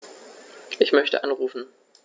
Ich möchte anrufen.